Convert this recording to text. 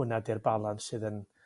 Hwnna 'di'r balans sydd yn